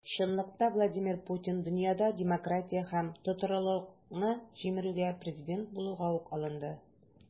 Чынлыкта Владимир Путин дөньяда демократия һәм тотрыклылыкны җимерүгә президент булуга ук алынды.